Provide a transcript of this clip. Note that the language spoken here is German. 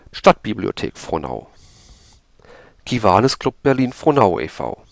Stadtbibliothek Frohnau Kiwanis Club Berlin Frohnau e.V.